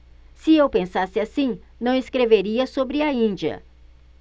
se eu pensasse assim não escreveria sobre a índia